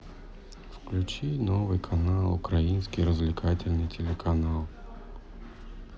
включи новый канал украинский развлекательный телеканал